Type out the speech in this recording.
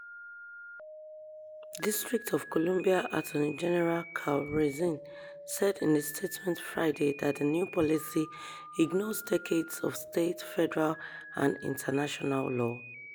District of Columbia Attorney General Karl Racine said in a statement Friday that the new policy "ignores decades of state, federal, and international law."